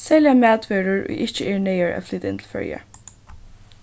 serliga matvørur ið ikki eru neyðugar at flyta inn til føroya